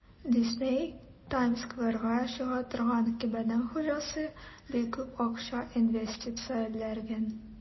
Дисней (Таймс-скверга чыга торган кибетнең хуҗасы) бик күп акча инвестицияләгән.